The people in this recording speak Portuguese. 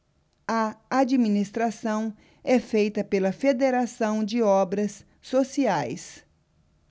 a administração é feita pela fos federação de obras sociais